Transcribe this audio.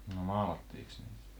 no maalattiinkos niitä